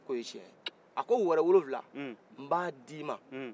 a ko wɛrɛ wolowula n b'a d'i ma